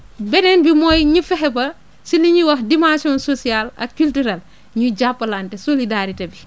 beneen bi mooy ñu fexe ba si li ñuy wax dimension sociale ak culturelle ²ñuy jàppalante solidarité bi